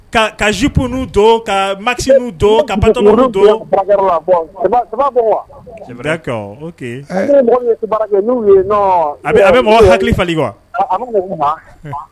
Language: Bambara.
Ka ka jip nu don ka mati nu don ka a a bɛ mɔgɔ hakili fali